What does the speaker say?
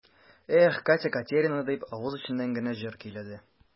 Эх, Катя-Катерина дип, авыз эченнән генә җыр көйләде.